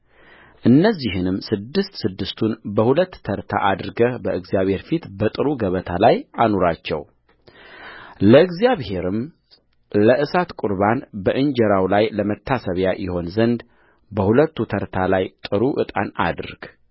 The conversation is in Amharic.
እነዚህንም ስድስት ስድስቱን በሁለት ተርታ አድርገህ በእግዚአብሔር ፊት በጥሩ ገበታ ላይ አኑራቸውለእግዚአብሔርም ለእሳት ቍርባን በእንጀራው ላይ ለመታሰቢያ ይሆን ዘንድ በሁለቱ ተርታ ላይ ጥሩ ዕጣን አድርግ